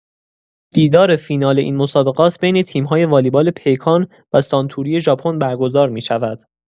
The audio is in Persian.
دیدار فینال این مسابقات بین تیم‌های والیبال پیکان و سانتوری ژاپن برگزار می‌شود.